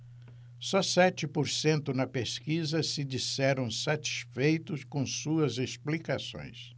só sete por cento na pesquisa se disseram satisfeitos com suas explicações